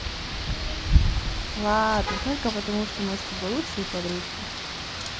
ладно только потому что мы с тобой лучшие подружки